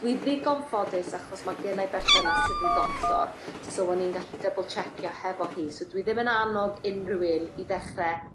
Dwi ddigon ffodus achos ma' gennai berthynas sydd yn ddoctor so o'n i'n gallu dybl checio hefo hi so dwi ddim yn annog unrhyw un i ddechre